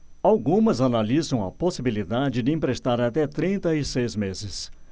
algumas analisam a possibilidade de emprestar até trinta e seis meses